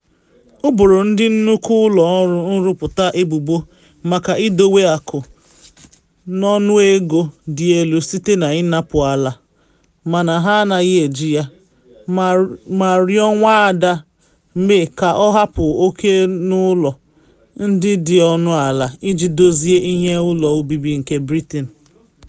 O boro ndị nnukwu ụlọ ọrụ nrụpụta ebubo maka idowe akụ n’ọnụego dị elu site na ịnapụ ala mana ha anaghị eji ya, ma rịọ Nwada May ka ọ hapụ oke n’ụlọ ndị dị ọnụ ala iji dozie “ihere ụlọ obibi” nke Britain.